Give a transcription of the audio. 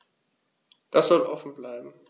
Das soll offen bleiben.